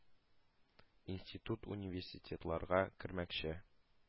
Институт-университетларга кермәкче.